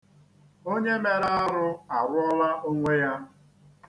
Onye mere arụ arụọla onwe ya.